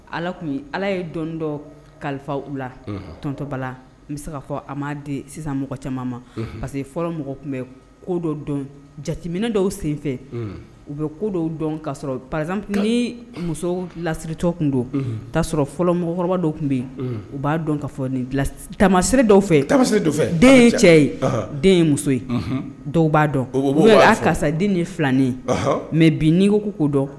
Ala tun ala ye dɔn dɔ kalifa u la tɔnontɔba n bɛ se fɔ a m ma di sisan mɔgɔ caman ma parce que fɔlɔ mɔgɔ tun bɛ ko dɔ dɔn jateminɛ dɔw senfɛ u bɛ ko dɔ dɔn ka sɔrɔ pazme ni muso lassiriritɔ tun don' sɔrɔ fɔlɔ mɔgɔkɔrɔba dɔw tun bɛ yen u b'a dɔn ka fɔ nin tamasirire dɔw fɛ tama den ye cɛ ye den ye muso ye dɔw b'a dɔn o karisa di ni filannen mɛ bi' ko ko ko dɔn